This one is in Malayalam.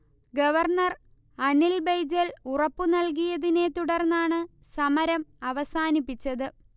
ഗവർണർ അനിൽ ബയ്ജൽ ഉറപ്പു നൽകിയതിനെ തുടർന്നാണ് സമരം അവസാനിപ്പിച്ചത്